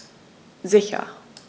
Sicher.